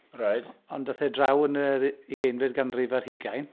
Reit... ond aeth e draw yn yr ugeinfed ganrif ar hugain.